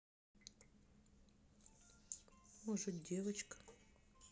может девочка